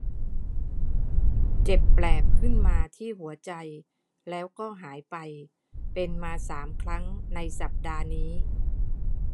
เจ็บแปลบขึ้นมาที่หัวใจแล้วก็หายไปเป็นมาสามครั้งในสัปดาห์นี้